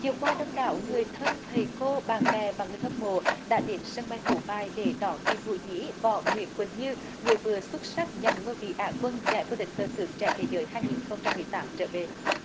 chiều qua đông đảo người thân thầy cô bạn bè và người hâm mộ đã đến sân bay phú bài để đón kỳ thủ nhí võ nguyễn quỳnh như người vừa xuất sắc giành ngôi vị á quân giải vô địch cờ tướng trẻ thế giới hai nghìn không trăm mười tám trở về